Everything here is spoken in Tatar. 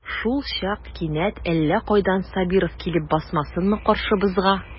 Шулчак кинәт әллә кайдан Сабиров килеп басмасынмы каршыбызга.